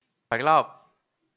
ขออีกรอบ